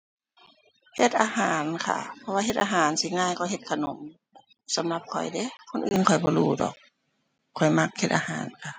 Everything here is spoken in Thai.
เฮ็ดอาหารค่ะ เพราะว่าเฮ็ดอาหารสิง่ายกว่าเฮ็ดขนม สำหรับข้อยเดะ คนอื่นข้อยบ่รู้ดอก ข้อยมักเฮ็ดอาหารค่ะ